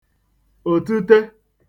òtite